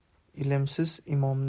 ilmsiz imomdan tuxum